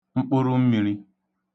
mkpụrụmmiri